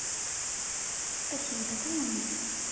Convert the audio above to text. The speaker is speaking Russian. спасибо такая умница